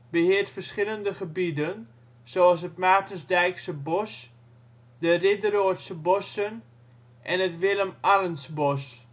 beheert verschillende gebieden, zoals het Maartensdijkse bos, de Ridderoordsche Bosschen en het Willem Arntsz-bos